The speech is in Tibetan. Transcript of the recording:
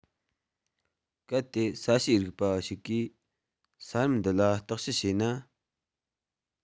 གལ ཏེ ས གཤིས རིག པ བ ཞིག གིས ས རིམ འདི ལ རྟོག དཔྱོད བྱས ན